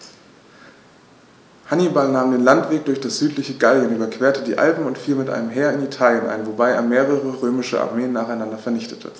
Hannibal nahm den Landweg durch das südliche Gallien, überquerte die Alpen und fiel mit einem Heer in Italien ein, wobei er mehrere römische Armeen nacheinander vernichtete.